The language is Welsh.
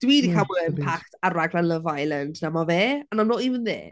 Dwi 'di cael mwy o impact ar raglen Love Island na mae fe and I'm not even there.